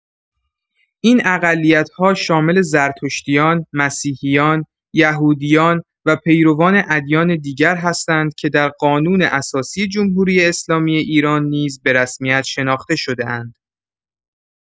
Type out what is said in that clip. این اقلیت‌ها شامل زرتشتیان، مسیحیان، یهودیان و پیروان ادیان دیگر هستند که در قانون اساسی جمهوری‌اسلامی ایران نیز به‌رسمیت شناخته شده‌اند.